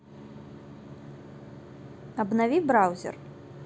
обнови браузер